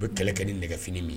U bɛ kɛlɛ kɛ ni nɛgɛf min